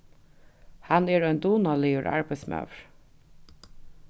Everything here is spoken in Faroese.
hann er ein dugnaligur arbeiðsmaður